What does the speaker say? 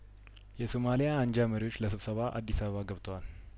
የሶማሊያ አንጃ መሪዎች ለስብሰባ አዲስ አበባ ገብተዋል